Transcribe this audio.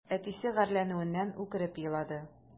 Әтисе гарьләнүеннән үкереп елады.